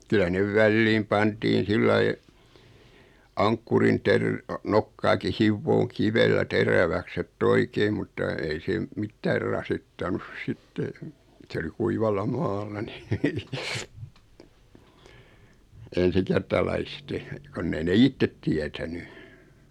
kyllä ne väliin pantiin sillä lailla ankkurin - nokkaakin hiomaan kivellä teräväksi että oikein mutta ei se - mitään rasittanut sitten se oli kuivalla maalla niin ensikertalaisten kun ei ne itse tietänyt